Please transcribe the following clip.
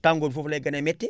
tàngoor foofu lmay gën a méttee